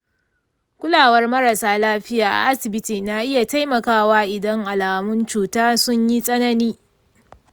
kulawar marasa lafiya a asibiti na iya taimakawa idan alamun cuta sun yi tsanani.